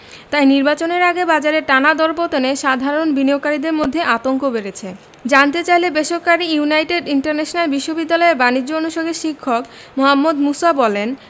তাই নির্বাচনের আগে বাজারের টানা দরপতনে সাধারণ বিনিয়োগকারীদের মধ্যে আতঙ্ক বেড়েছে জানতে চাইলে বেসরকারি ইউনাইটেড ইন্টারন্যাশনাল বিশ্ববিদ্যালয়ের বাণিজ্য অনুষদের শিক্ষক মোহাম্মদ মুসা বলেন